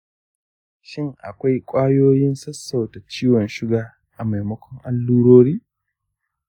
shin akwai ƙwayoyin sassauta cutar suga a maimakon allurori?